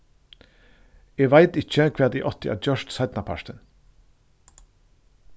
eg veit ikki hvat eg átti at gjørt seinnapartin